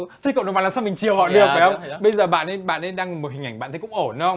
thế cộng đồng mạng làm sao mình chiều họ được phải không bây giờ bạn ấy bạn ấy đăng một hình ảnh bạn thấy cũng ổn kgông